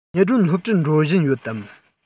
ཉི སྒྲོན སློབ གྲྭར འགྲོ བཞིན ཡོད དམ